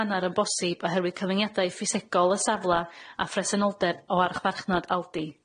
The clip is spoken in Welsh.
hannar yn bosib oherwydd cyfyngiadau ffisegol y safla a phresenoldeb o archfarchnad Aldi.